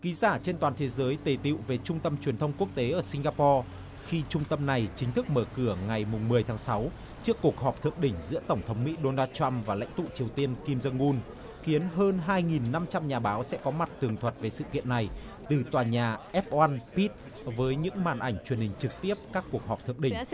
ký giả trên toàn thế giới tề tựu về trung tâm truyền thông quốc tế ở sing ga po khi trung tâm này chính thức mở cửa ngày mùng mười tháng sáu trước cuộc họp thượng đỉnh giữa tổng thống mỹ đô nan troăm và lãnh tụ triều tiên kim dang un khiến hơn hai nghìn năm trăm nhà báo sẽ có mặt tường thuật về sự kiện này từ tòa nhà ép oăn pít với những màn ảnh truyền hình trực tiếp các cuộc họp thượng đỉnh